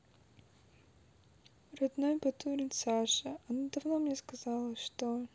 родной батурин саша она давно мне сказала что